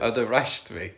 And arrest me